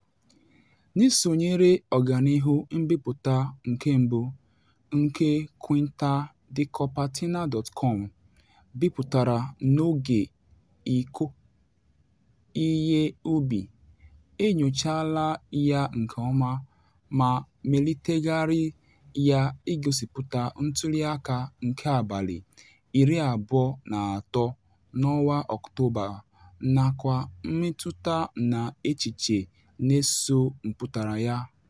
N'isonyere ọganihu mbipụta nke mbụ nke quintadicopertina.com bipụtara n'oge ịkọ ihe ubi, e nnyochala ya nke ọma ma melitegharị ya ịgosipụta ntuliaka nke abalị iri abụọ na atọ n'ọnwa ọktoba, nakwa mmetụta na echiche na-eso mpụtara ya.